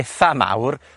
itha mawr,